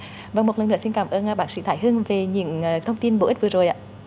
và một lần nữa xin cảm ơn bác sĩ thái hưng về những cái thông tin bổ ích vừa rồi ạ